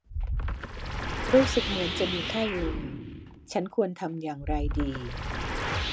รู้สึกเหมือนจะมีไข้เลยฉันควรทำอย่างไรดี